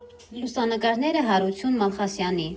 Լուսանկարները՝ Հարություն Մալխասյանի։